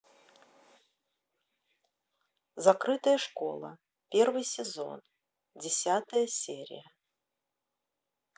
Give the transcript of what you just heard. закрытая школа первый сезон десятая серия